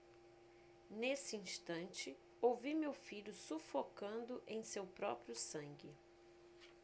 nesse instante ouvi meu filho sufocando em seu próprio sangue